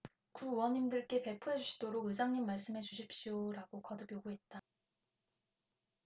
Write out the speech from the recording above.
구의원님들께 배포해 주시도록 의장님 말씀해 주십시오라고 거듭 요구했다